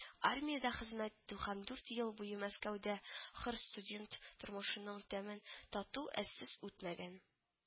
Армиядә хезмәт итү һәм дүрт ел буе Мәскәүдә хөр студент тормышының тәмен тату әзсез үтмәгән